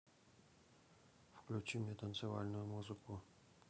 включи мне танцевальную музыку